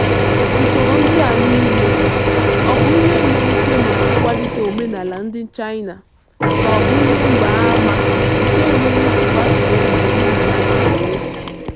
Usoro ndị a niile, ọ bụ iji melite ma kwalite omenala ndị China, ka ọ bụ ihe mgbaàmà nke enweghị ntụkwasịobi n'omenala nke onwe?